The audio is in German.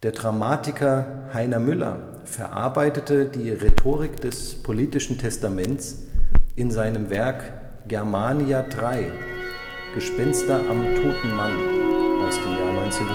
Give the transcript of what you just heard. Dramatiker Heiner Müller verarbeitete die Rhetorik des „ politischen Testaments “in seinem Werk Germania 3 Gespenster am toten Mann (1995